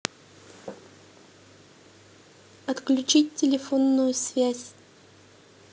отключить телефонную связь